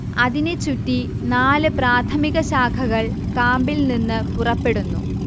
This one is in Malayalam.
അതിനെ ചുറ്റി നാല് പ്രാഥമിക ശാഖകൾ കാമ്പിൽ നിന്ന് പുറപ്പെടുന്നു